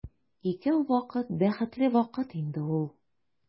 Икәү вакыт бәхетле вакыт инде ул.